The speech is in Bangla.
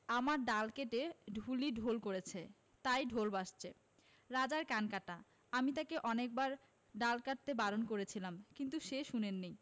আমার ডাল কেটে ঢুলি ঢোল করেছে তাই ঢোল বাজছে রাজার কান কাটা আমি তাকে অনেকবার ডাল কাটতে বারণ করেছিলাম কিন্তু সে শোনেনি